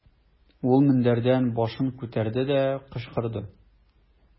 Ул мендәрдән башын күтәрде дә, кычкырды.